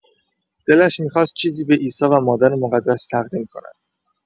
دلش می‌خواست چیزی به عیسی و مادر مقدس تقدیم کند.